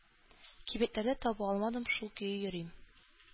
Кибетләрдә таба алмадым, шул көе йөрим.